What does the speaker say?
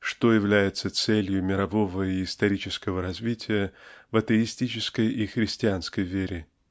что является целью мирового и исторического развития в атеистической и христианской вере